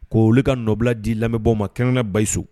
K'o wuli ka nɔbila di lamɛnbaw ma kɛ kɛrɛnkɛrɛn na Buyusu